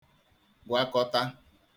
gwakọta